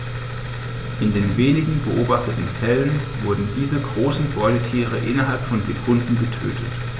In den wenigen beobachteten Fällen wurden diese großen Beutetiere innerhalb von Sekunden getötet.